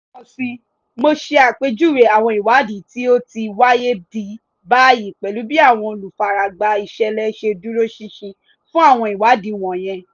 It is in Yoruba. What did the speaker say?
Lẹ́ẹ̀kansi, mo ṣe àpèjúwe àwọn ìwádìí tí ó ti wáyé di báyìí pẹ̀lú bí àwọn olùfaragbá ìṣẹ̀lẹ̀ ṣe dúró ṣinṣin fún àwọn ìwádìí wọ̀nyẹn.